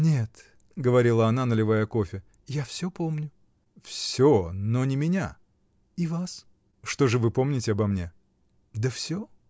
— Нет, — говорила она, наливая кофе, — я всё помню. — Всё, но не меня? — И вас. — Что же вы помните обо мне? — Да всё.